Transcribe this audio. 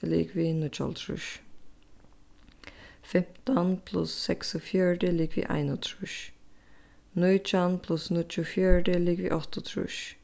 er ligvið níggjuoghálvtrýss fimtan pluss seksogfjøruti er ligvið einogtrýss nítjan pluss níggjuogfjøruti er ligvið áttaogtrýss